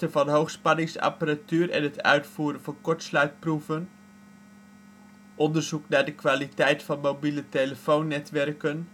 van hoogspanningsapparatuur en de uitvoering van kortsluitproeven onderzoek naar de kwaliteit van mobiele-telefoonnetwerken